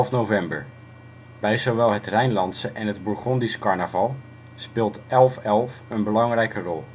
november. Bij zowel het Rijnlandse en het Bourgondisch carnaval speelt 11-11 een belangrijke rol